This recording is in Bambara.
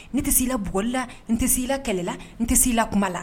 N tɛ' i la blila n tɛ se i la kɛlɛla n tɛ sela kuma la